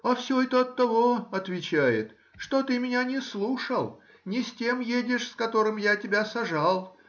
— А все это оттого,— отвечает,— что ты меня не слушал,— не с тем едешь, с которым я тебя сажал